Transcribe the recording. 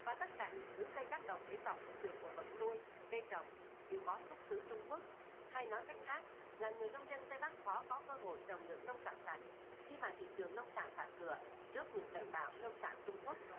và tất cả những thứ gây tác động đến vòng sinh trưởng của vật nuôi cây trồng đều có xuất xứ trung quốc hay nói cách khác là người nông dân tây bắc khó có cơ hội trồng được nông sản sạch khi mà thị trường nông sản thả cửa trước những trận bão nông sản trung quốc